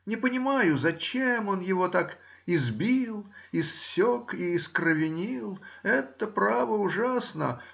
Не понимаю, зачем он его так избил, иссек и искровянил?. Это, право, ужасно!